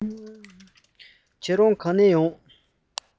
ཁྱེད རང ག ནས ཕེབས པས